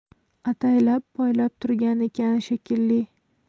ataylab poylab turgan ekan shekilli